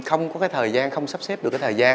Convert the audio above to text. không có cái thời gian không sắp xếp được cái thời gian